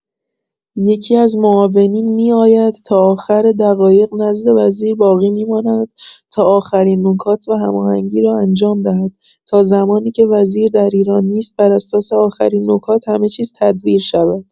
یکی‌از معاونین می‌آید تا آخر دقایق نزد وزیر باقی می‌ماند تا اخرین نکات و هماهنگی را انجام دهد تا زمانی که وزیر در ایران نیست بر اساس آخرین نکات همه چیز تدبیر شود.